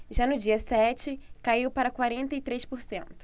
já no dia sete caiu para quarenta e três por cento